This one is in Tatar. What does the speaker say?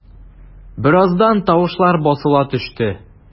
Бераздан тавышлар басыла төште.